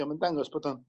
dio'm yn dangos bod o'n